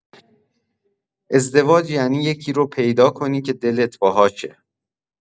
ازدواج یعنی یکی رو پیدا کنی که دلت باهاشه.